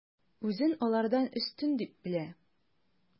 Үзен алардан өстен дип белә.